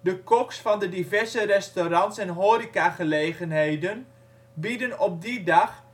De koks van de diverse restaurants en horecagelegenheden bieden op die dag